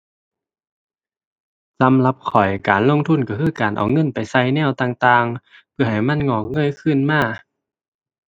สำหรับข้อยการลงทุนก็คือ การเอาเงินไปใส่แนวต่างต่าง เพื่อให้มันงอกเงยคืนมา